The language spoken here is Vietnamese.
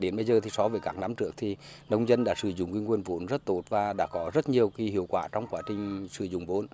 đến bây giờ thì so với các năm trước thì nông dân đã sử dụng nguồn vốn rất tốt và đã có rất nhiều cái hiệu quả trong quá trình sử dụng vốn